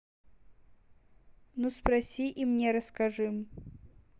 ну спроси и мне расскажи